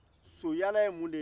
soyaala ye mun de ye